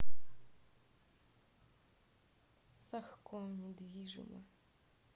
сахком недвижимо